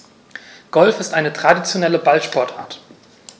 Golf ist eine traditionelle Ballsportart.